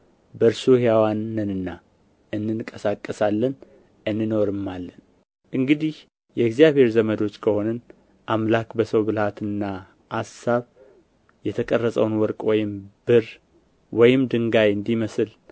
በእርሱ ሕያዋን ነንና እንንቀሳቀሳለን እንኖርማለን እንግዲህ የእግዚአብሔር ዘመዶች ከሆንን አምላክ በሰው ብልሃትና አሳብ የተቀረጸውን ወርቅ ወይም ብር ወይም ድንጋይ እንዲመስል